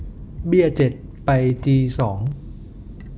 เบี้ยเจ็ดไปจีสอ